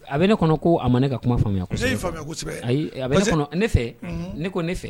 A bɛ ne kɔnɔ ko a ma ne ka kuma faamuya ayi bɛ ne ne fɛ ne ko ne fɛ